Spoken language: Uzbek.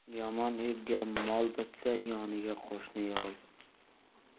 yomon erga mol bitsa yoniga